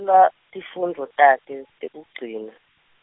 ula- tifundvo takhe tekugcina.